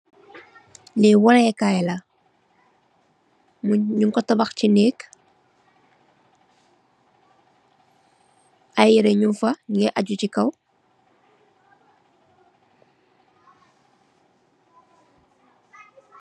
Li waye kai la nyun ko tabax si neeg ay yere nyun fa nyugi ajuu si kaw.